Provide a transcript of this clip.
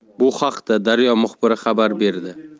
bu haqda daryo muxbiri xabar berdi